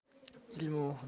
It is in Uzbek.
ilm u hunar